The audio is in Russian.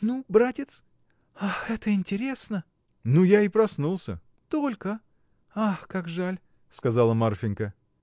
— Ну, братец, — ах, это интересно. — Ну, я и — проснулся! — Только? ах, как жаль! — сказала Марфинька.